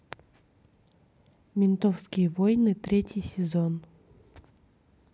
ментовские войны третий сезон